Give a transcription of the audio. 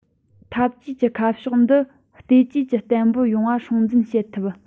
འཐབ ཇུས ཀྱི ཁ ཕྱོགས འདི བལྟོས བཅོས ཀྱི བརྟན པོ ཡོང བ སྲུང འཛིན བྱེད ཐུབ